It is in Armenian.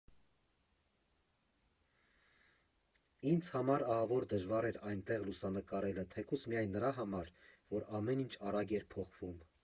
Ինձ համար ահավոր դժվար էր այնտեղ լուսանկարելը, թեկուզ միայն նրա համար, որ ամեն ինչ շատ արագ էր փոխվում։